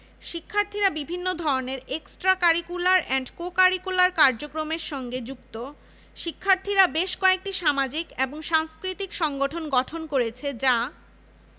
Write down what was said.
এছাড়া শিক্ষার্থীরা প্রাকৃতিক দূর্যোগের সময় বিভিন্ন মানবিক কার্যক্রমে নিয়মিত অংশগ্রহণ করে এছাড়া সাবিপ্রবি নানা ধরনের খেলাধুলা